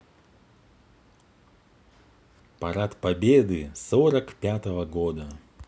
парад победы сорок пятого года